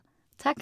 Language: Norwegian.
Takk.